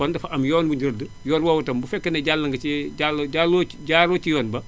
kon dafa am yoon wu ñu rëdd yoon woowu tam bu fekkee jàll nga cii jàll jàlloo ci jaaroo ci yoon ba